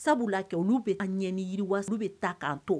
Sabula la kɛ olu bɛ ka ɲɛani yiriwa olu bɛ ta kan to